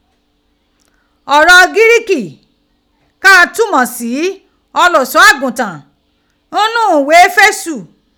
Oro Giriki ka a tumo si Oluso aguntan n nu ighe Efesu